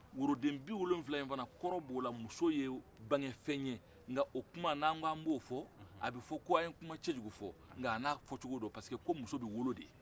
woroden bi wolonwula in fana kɔrɔ b'o la muso ye bange fɛn ye nka n'a ko an b'o fɔ a bɛ fɔ ko an ye kuma cɛjugu fɔ nka a n'a fɔcɔgo don